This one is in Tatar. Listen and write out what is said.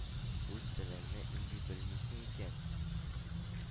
Үз телеңне инде белмисең икән,